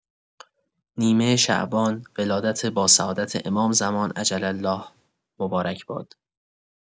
نیمه‌شعبان، ولادت با سعادت امام زمان (عج) مبارک باد.